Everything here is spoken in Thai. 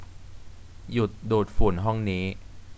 หยุดดูดฝุ่นห้องนี้